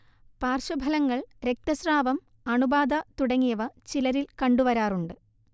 പാർശ്വഫലങ്ങൾ രക്തസ്രാവം, അണുബാധ തുടങ്ങിയവ ചിലരിൽ കണ്ടുവരാറുണ്ട്